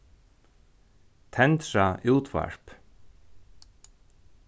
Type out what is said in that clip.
tendra útvarp